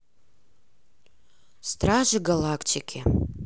стражи галактики